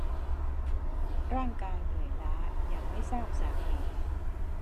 ร่างกายเหนื่อยล้าอย่างไม่ทราบสาเหตุ